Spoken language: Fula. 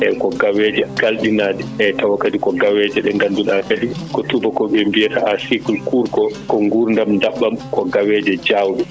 eeyi ko gaweeje galɗinaaɗe eeyi tawa kadi ko gaweeje ɗe ngannduɗaa kadi ko tuubakooɓe biyata à cycle court ko guurndam dabɓam ko gaweeje jaawɗe